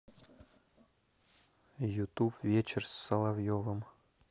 ютуб вечер с соловьевым